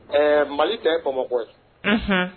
Ɛɛ mali tɛ kɔko ye